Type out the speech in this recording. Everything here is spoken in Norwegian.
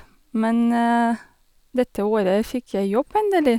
Men dette året fikk jeg jobb, endelig.